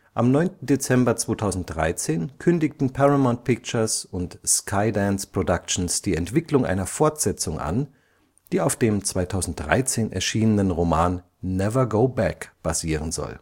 Am 9. Dezember 2013 kündigten Paramount Pictures und Skydance Productions die Entwicklung einer Fortsetzung an, die auf dem 2013 erschienenen Roman Never Go Back basieren soll